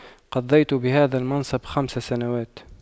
قضيت بهذا المنصب خمس سنوات